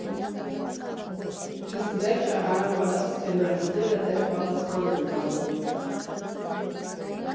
Իսկ վերջը հարամ արած սցենարիստները դեռ պատասխան են տալու։